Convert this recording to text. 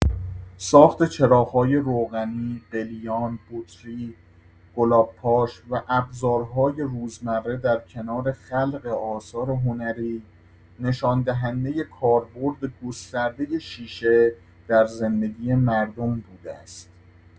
ساخت چراغ‌های روغنی، قلیان، بطری، گلاب‌پاش و ابزارهای روزمره در کنار خلق آثار هنری، نشان‌دهنده کاربرد گسترده شیشه در زندگی مردم بوده است.